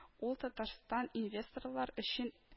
Ул Татарстанның инвесторлар өчен